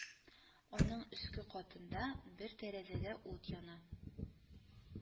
Аның өске катында бер тәрәзәдә ут яна